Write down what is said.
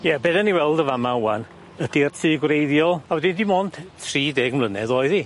Ie be' 'dyn ni weld y' fa' ma' ŵan ydi'r tŷ gwreiddiol a wedyn dim ond tri deg mlynedd oedd 'i.